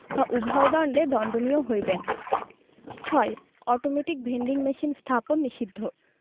বা উভয় দন্ডে দন্ডনীয় হইবেন ৬ অটোমেটিক ভেন্ডিং মেশিন স্থাপন নিষিদ্ধ